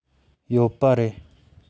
ཡོད པ རེད